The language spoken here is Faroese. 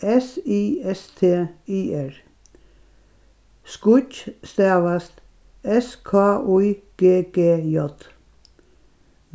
s y s t i r skýggj stavast s k í g g j